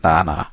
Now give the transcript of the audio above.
Na na.